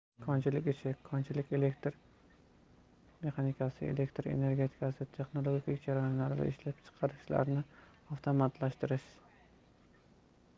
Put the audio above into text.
konchilik ishi konchilik elektr mexanikasi elektr energetikasi texnologik jarayonlar va ishlab chiqarishlarni avtomatlashtirish